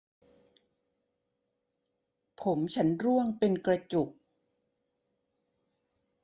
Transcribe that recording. ผมฉันร่วงเป็นกระจุก